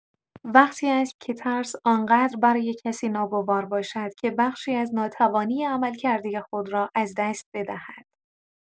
وقتی است که ترس آن‌قدر برای کسی ناگوار باشد که بخشی از توانایی عملکردی خود را از دست بدهد.